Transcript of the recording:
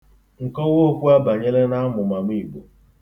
Nkọwa Okwu abanyela n'amụmamụ Igbo.